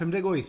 Pumdeg wyth?